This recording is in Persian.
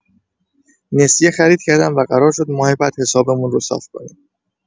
نسیه خرید کردم و قرار شد ماه بعد حسابمون رو صاف کنم.